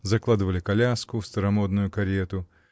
Закладывали коляску, старомодную карету.